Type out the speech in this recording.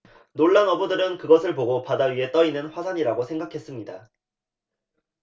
놀란 어부들은 그것을 보고 바다 위에 떠 있는 화산이라고 생각했습니다